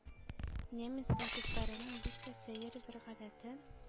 Немец танкистларының бик тә сәер бер гадәтен